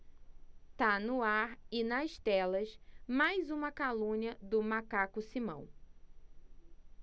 tá no ar e nas telas mais uma calúnia do macaco simão